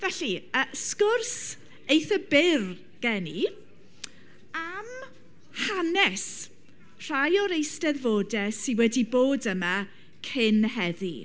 Felly yy sgwrs eitha byr gen i am hanes rhai o'r eisteddfodau sydd wedi bod yma cyn heddi.